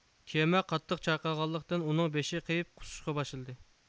كېمە قاتتىق چايقالغانلىقتىن ئۇنىڭ بېشى قېيىپ قۇسۇشقا باشلىدى